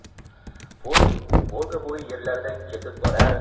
poezd volgabo'yi yerlaridan ketib borar